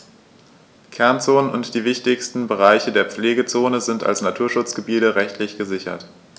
Kernzonen und die wichtigsten Bereiche der Pflegezone sind als Naturschutzgebiete rechtlich gesichert.